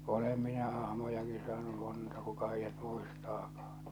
olen minä ahmojakin saanut monta kuka heidät muistaakaan